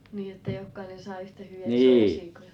niin että jokainen sai yhtä hyviä siikoja